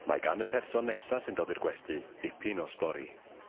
Mae gan y person nesa sy'n dod i'r gwesty ddipyn o stori.